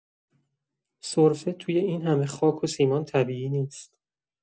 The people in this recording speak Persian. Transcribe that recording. سرفه توی این همه خاک و سیمان طبیعی نیست.